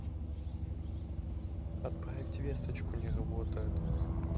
отправить весточку не работает